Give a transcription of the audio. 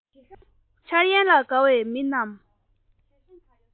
འཆར ཡན ལ དགའ བའི མི རྣམས